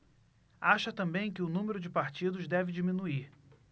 acha também que o número de partidos deve diminuir